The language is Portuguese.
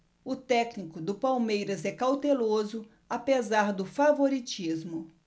o técnico do palmeiras é cauteloso apesar do favoritismo